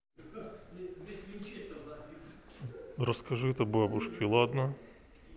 расскажи это бабушке ладно